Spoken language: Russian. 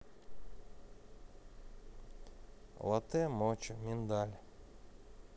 латте моча миндаль